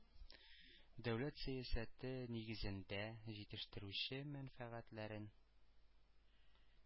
Дәүләт сәясәте нигезендә җитештерүче мәнфәгатьләрен,